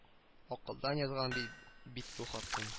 Акылдан язган бит бу хатын